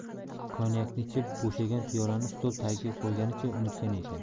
konyakni ichib bo'shagan piyolani stol tagiga qo'yganicha unutgan ekan